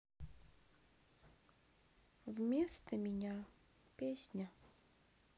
вместо меня песня